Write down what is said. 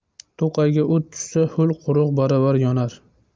to'qayga o't tushsa ho'l quruq baravar yonar